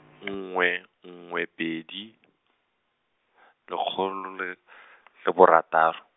nngwe, nngwe pedi , lekgolo le , le borataro.